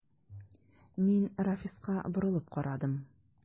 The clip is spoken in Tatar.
Мин Рафиска борылып карадым.